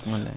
wallay